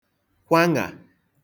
kwaṅà